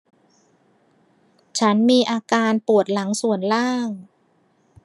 ฉันมีอาการปวดหลังส่วนล่าง